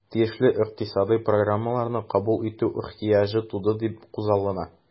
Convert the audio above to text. Тиешле икътисадый программаларны кабул итү ихтыяҗы туды дип күзаллана.